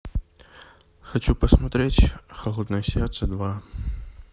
хочу посмотреть холодное сердце два